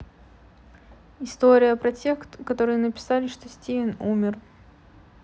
история про тех которые написали что стивен умер